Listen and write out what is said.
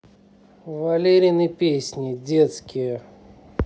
валерины песни детские